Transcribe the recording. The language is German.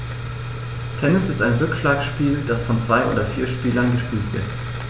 Tennis ist ein Rückschlagspiel, das von zwei oder vier Spielern gespielt wird.